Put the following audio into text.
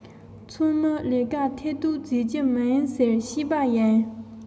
དེ ནི ངའི ཆབ སྲིད ཐོག གི རྩིས སྤྲོད ཡིན ཟེར བཤད པ ཡིན